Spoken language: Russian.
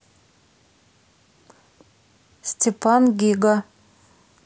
степан гига